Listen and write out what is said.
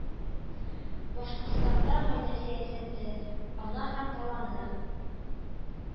Башкортстанда гаилә сәясәте, ана һәм баланы